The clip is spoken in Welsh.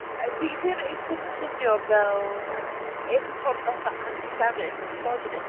Fi ddim eisiau swnio fel unrhyw ffordd fatha anti-feminist neu misogynist.